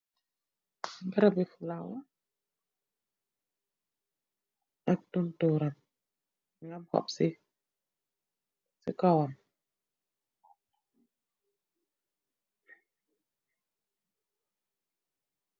Garabi falawa ak tontoram am hooh si kawam.